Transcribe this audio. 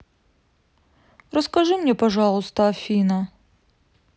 расскажи мне пожалуйста афина